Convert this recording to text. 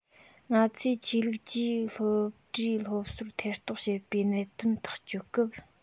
ང ཚོས ཆོས ལུགས ཀྱིས སློབ གྲྭའི སློབ གསོར ཐེ གཏོགས བྱེད པའི གནད དོན ཐག གཅོད སྐབས